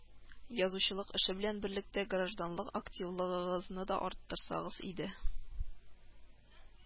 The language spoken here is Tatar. Язучылык эше белән берлектә гражданлык активлыгыгызны да арттырсагыз иде